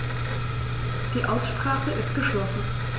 Die Aussprache ist geschlossen.